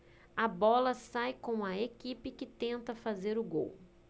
a bola sai com a equipe que tenta fazer o gol